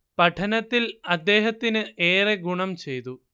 പഠനത്തിൽ അദ്ദേഹത്തിന് ഏറെ ഗുണം ചെയ്തു